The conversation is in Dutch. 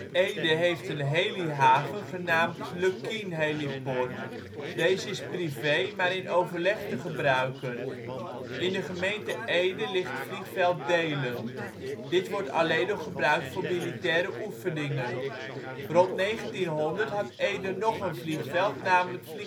Ede heeft een helihaven genaamd: Lukkien Heliport, deze is privé, maar in overleg te gebruiken. In de gemeente Ede ligt vliegveld Deelen. Deze word alleen nog gebruikt voor militaire oefeningen. Rond 1900 had Ede nog een vliegveld namelijk